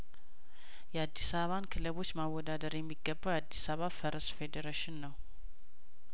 የአዲስ አበባን ክለቦች ማ ወዳደር የሚገባው የአዲስ አበባ ፈረስ ፌዴሬሽን ነው